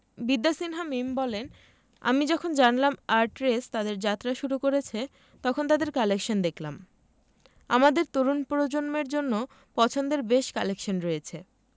বিদ্যা সিনহা মিম বলেন আসলে আমি যখন জানলাম আর্টরেস তাদের যাত্রা শুরু করেছে তখন তাদের কালেকশান দেখলাম আমাদের তরুণ প্রজন্মের জন্য পছন্দের বেশ কালেকশন রয়েছে